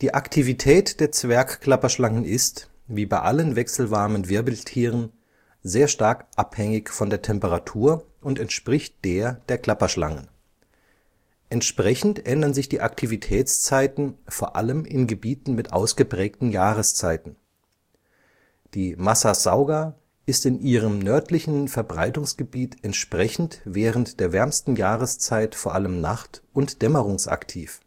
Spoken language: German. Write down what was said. Aktivität der Zwergklapperschlangen ist, wie bei allen wechselwarmen Wirbeltieren, sehr stark abhängig von der Temperatur und entspricht der der Klapperschlangen. Entsprechend ändern sich die Aktivitätszeiten vor allem in Gebieten mit ausgeprägten Jahreszeiten. Die Massassauga ist in ihrem nördlichen Verbreitungsgebiet entsprechend während der wärmsten Jahreszeit vor allem nacht - und dämmerungsaktiv